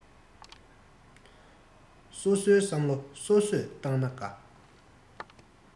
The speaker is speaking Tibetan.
སོ སོའི བསམ བློ སོ སོས བཏང ན དགའ